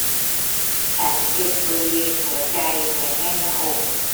ฉันเจ็บบริเวณหัวใจเหมือนแน่นหน้าอก